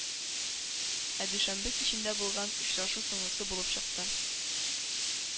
Ә дүшәмбе кичендә булган очрашу соңгысы булып чыкты.